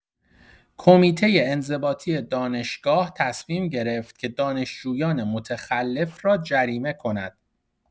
کمیتۀ انضباطی دانشگاه تصمیم گرفت که دانشجویان متخلف را جریمه کند.